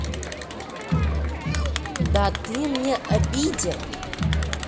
да ты мне обидел